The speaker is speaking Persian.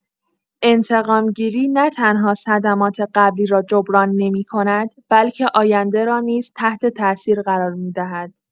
انتقام‌گیری نه‌تنها صدمات قبلی را جبران نمی‌کند، بلکه آینده را نیز تحت‌تاثیر قرار می‌دهد.